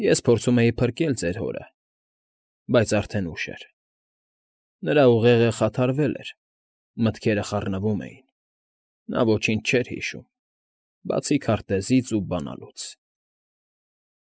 Ես փորձում էի փրկել ձեր հորը, բայց արդեն ուշ էր. նրա ուղեղը խաթարվել էր, մտքերը խառնվում էին, նա ոչինչ չէր հիշում, բացի քարտեզից ու բանալուց։ ֊